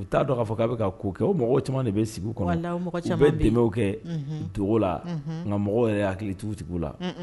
U t'a dɔn'a fɔ' a bɛ ka ko kɛ o mɔgɔ caman de bɛ sigi kɔnɔ bɛ den kɛ don la nka mɔgɔ yɛrɛ hakilitigiwtigiw la